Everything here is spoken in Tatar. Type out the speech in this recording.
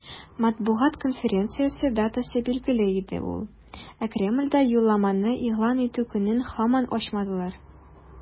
Матбугат конференциясе датасы билгеле иде инде, ә Кремльдә юлламаны игълан итү көнен һаман ачмадылар.